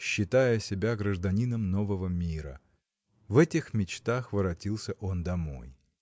считая себя гражданином нового мира. В этих мечтах воротился он домой.